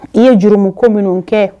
I ye jurumi ko minnu kɛ